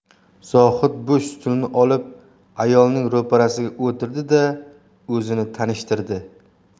zohid bo'sh stulni olib ayolning ro'parasiga o'tirdi da o'zini tanishtirdi